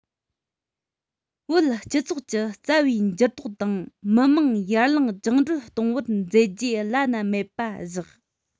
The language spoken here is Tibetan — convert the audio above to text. བོད སྤྱི ཚོགས ཀྱི རྩ བའི འགྱུར ལྡོག དང མི དམངས ཡར ལངས བཅིངས འགྲོལ གཏོང བར མཛད རྗེས བླ ན མེད པ བཞག